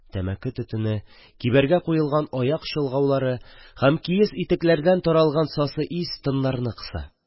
Тәмәке төтене, кибәргә куелган аяк чолгаулары һәм киез итекләрдән таралган сасы ис тыннарны кыса.